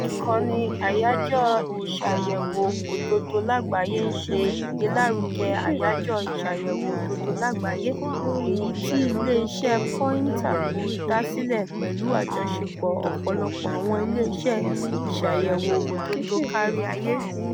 Ìkànnì Àyájọ̀ Ìṣàyẹ̀wò Òdodo Lágbàáyé ń ṣe ìgbélárugẹ Àyájọ̀ Ìṣàyẹ̀wò Òdodo Lágbàáyé, èyí tí ilé iṣẹ́ Poynter dásílẹ̀ pẹ̀lú àjọṣepọ̀ ọ̀pọ̀lọpọ̀ àwọn ilé iṣẹ́ ìṣàyẹ̀wò òdodo káríayé.